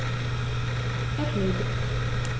Erledigt.